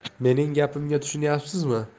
mening gapimga tushunayapsizmi